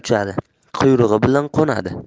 uchadi quyrug'i bilan qo'nadi